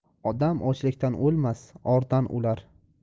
odam ochlikdan o'lmas ordan o'lar